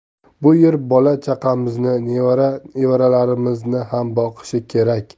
bu yer bola chaqamizni nevara evaralarimizni ham boqishi kerak